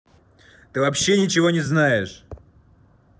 ты вообще ничего не знаешь